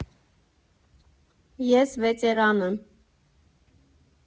Ես վետերան եմ։